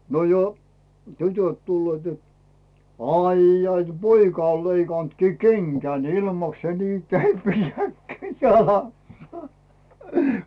no jo tytöt tulevat jotta aijai - poika on leikannutkin kengän ilmankos se niin kepeät käy jalassa